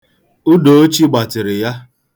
Udochi gbatịrị ya.